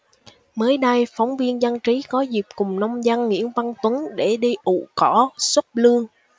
mới đây phóng viên dân trí có dịp cùng nông dân nguyễn văn tuấn để đi ụ cỏ xúc lươn